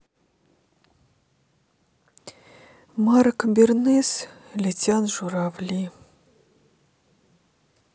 марк бернес летят журавли